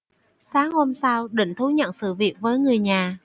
sáng hôm sau định thú nhận sự việc với người nhà